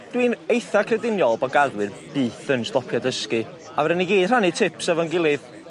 Dwi'n eitha crediniol bo' gaddwyr byth yn stopio dysgu, a ferwn ni gy rhannu tips efo'n gilydd.